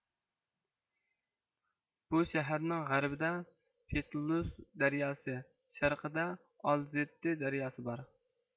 بۇ شەھەرنىڭ غەربىدە پېتېلۈس دەرياسى شەرقىدە ئالزېتتې دەرياسى بار